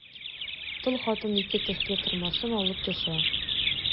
Тол хатын ике тешле тырмасын алып төшә.